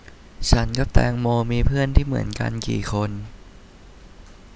ฉันกับแตงโมมีเพื่อนที่เหมือนกันกี่คน